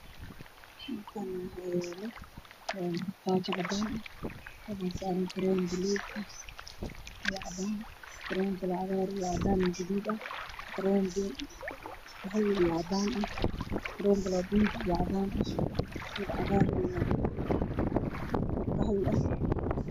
Waxa ii muuqdo kareemo ku jiraan cagaado cadaan ah guduud ah